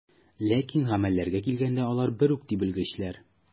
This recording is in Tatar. Ләкин гамәлләргә килгәндә, алар бер үк, ди белгечләр.